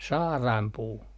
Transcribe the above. saarainpuu